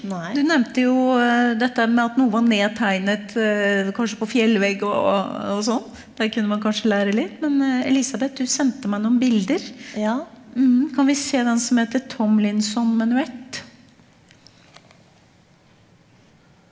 du nevnte jo dette med at noe var nedtegnet kanskje på fjellvegg og og og sånn, der kunne man kanskje lære litt, men Elisabeth du sendte meg noen bilder, ja kan vi se den som heter Tom Linn som Menuett?